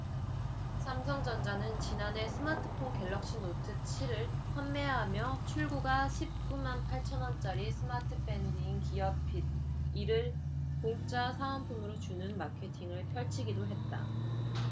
삼성전자는 지난해 스마트폰 갤럭시노트 칠 을 판매하며 출고가 십 구 만 팔천 원짜리 스마트밴드인 기어핏 이 를 공짜 사은품으로 주는 마케팅을 펼치기도 했다